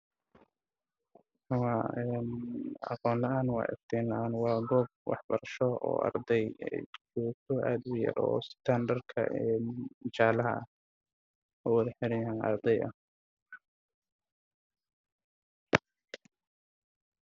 Waxaa ii muuqda arday wiilal oo wataan shatiyo jaceelle iyo sarajaala ah waana wiilal yar yar oo iskool joogaan